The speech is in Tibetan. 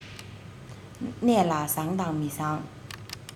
གནས ལ བཟང དང མི བཟང